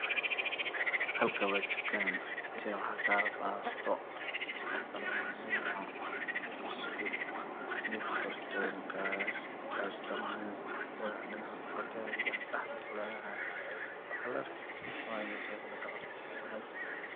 Halkaan waa dukaan waxaa lagu iibinayaa baasta dhaadheer oo midabkeedu yahay oo meel saaran